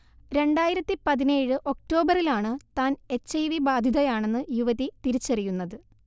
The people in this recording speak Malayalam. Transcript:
രണ്ടായിരത്തി പതിനേഴ് ഒക്ടോബറിലാണ് താൻ എച്ച് ഐ വി ബാധിതയാണെന്ന് യുവതി തിരിച്ചറിയുന്നത്